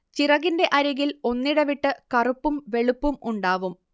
ചിറകിന്റെ അരികിൽ ഒന്നിടവിട്ട് കറുപ്പും വെളുപ്പും ഉണ്ടാവും